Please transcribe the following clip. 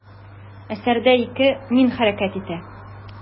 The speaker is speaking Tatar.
Әсәрдә ике «мин» хәрәкәт итә.